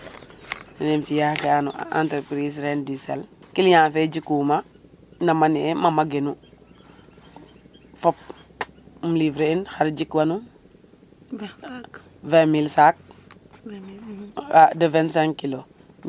nem fiya ga ano entreprise reine du sel client fe jik wumanama ne e mama genu fop um livrer in xar jik wanum 20 mille sacs de 25 kilos